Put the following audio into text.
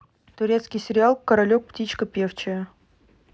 турецкий сериал королек птичка певчая